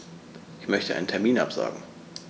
Ich möchte einen Termin absagen.